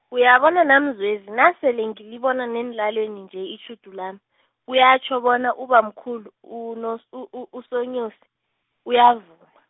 uyabona naMzwezi, nasele ngilibona neenlwaneni nje itjhudu lami, kuyatjho bona ubamkhulu, uno- u- u- uSoNyosi, uyavu-.